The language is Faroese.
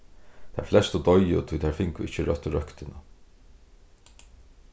tær flestu doyðu tí tær fingu ikki røttu røktina